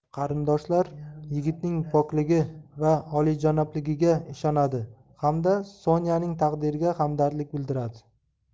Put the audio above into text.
qarindoshlar yigitning pokligi va oliyjanobligiga ishonadi hamda sonyaning taqdiriga hamdardlik bildiradi